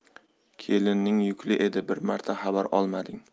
kelining yukli edi bir marta xabar olmading